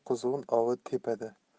quzg'un ovi tepada